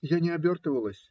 Я не обертывалась.